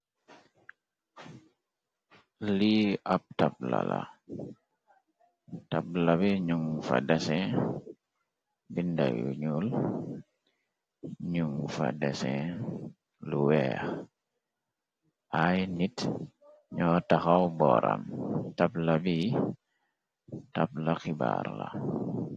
Lii ab tabla la tabla bi ñun fa desen bindayu ñyul nun fa desen lu weex ay nit ñoo taxaw booram tabla bi tabla xibaar la.